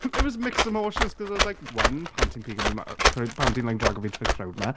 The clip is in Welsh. It was mixed emotions, 'cause I was like "one pam ti'n pigo fi ma- pam ti'n like drago fi drwy'r crowd 'ma."